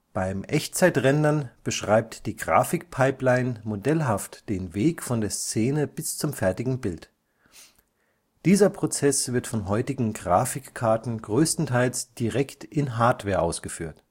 Beim Echtzeitrendern beschreibt die Grafikpipeline modellhaft den Weg von der Szene bis zum fertigen Bild. Dieser Prozess wird von heutigen Grafikkarten größtenteils direkt in Hardware ausgeführt